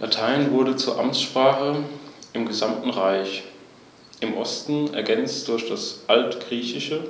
Das Rechtswesen im antiken Rom beinhaltete elementare zivil- und strafrechtliche Verfahrensvorschriften